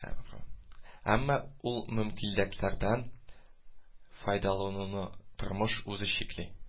Әй попроб әмма ул мөмкинлекләрдән файдалануны тормыш үзе чикли